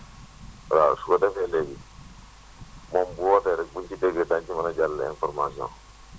waaw su ko defee léegi moom bu wootee rek bu ñu si déggee daa énu mën a jàllale information